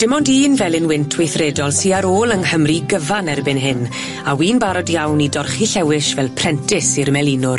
Dim ond un felyn wynt weithredol sy ar ôl yng Nghymru gyfan erbyn hyn, a wi'n barod iawn i dorchi llewis fel prentis i'r melinwr.